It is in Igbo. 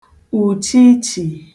ùchichì